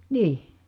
niin